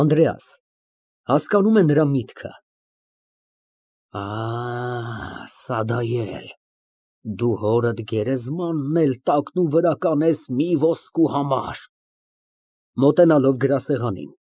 ԱՆԴՐԵԱՍ ֊ (Հասկանում է նրա միտքը) Ա, սադայել, դու հորդ գերեզմանն էլ տակնուվրա կանես մի ոսկու համար։ (Մոտենալով գրասեղանին)։